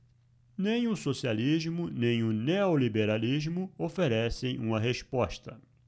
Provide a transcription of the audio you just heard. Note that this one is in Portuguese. nem o socialismo nem o neoliberalismo oferecem uma resposta